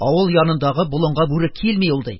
Авыл янындагы болынга бүре килми ул, - ди.